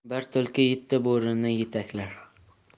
bir tulki yetti bo'rini yetaklar